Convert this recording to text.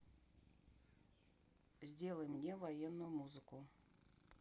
сделай мне военную музыку